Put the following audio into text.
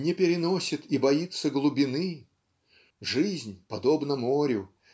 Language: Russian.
не переносит и боится глубины жизнь подобна морю